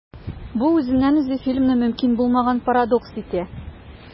Бу үзеннән-үзе фильмны мөмкин булмаган парадокс итә.